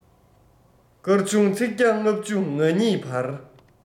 སྐར ཆུང ཚིག བརྒྱ ལྔ བཅུ ང གཉིས བར